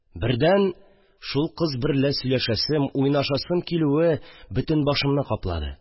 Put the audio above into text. Бердән, шул кыз берлә сөйләшәсем, уйнашасым килүе бөтен башымны каплады